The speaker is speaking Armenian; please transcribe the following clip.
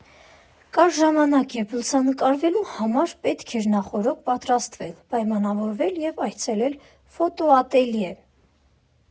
Կար ժամանակ, երբ լուսանկարվելու համար պետք էր նախօրոք պատրաստվել, պայմանավորվել և այցելել ֆոտոատելյե։